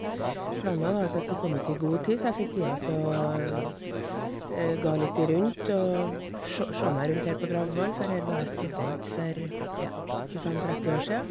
Planen var at jeg skulle komme hit i god tid, så jeg fikk tida til å gå litt i rundt og v sj sjå meg rundt her på Dragvoll, for her var jeg student for, ja, tjuefem tretti år sia.